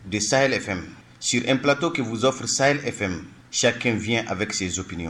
Desa fɛ siur in pplatɔ' wzofrisa fɛ si kɛfi a bɛ se zoyye ye